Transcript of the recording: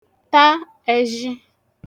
ta ẹzhi